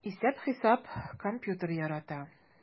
Исәп-хисап, компьютер ярата...